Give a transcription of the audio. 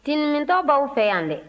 tindimitɔw b'aw fɛ yan dɛ